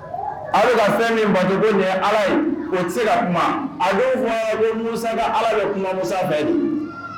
Ale ka fɛn min banto ni ye ala ye o tɛ se ka kuma a kuma bɛ musa ala bɛ kuma musa bɛɛ ye